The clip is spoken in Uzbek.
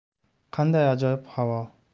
qanday ajoyib havo